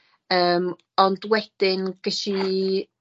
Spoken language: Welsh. yym ond wedyn gesh i